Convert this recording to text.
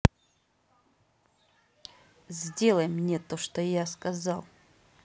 сделай мне то что я сказал